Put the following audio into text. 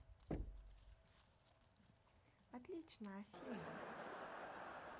отлично афина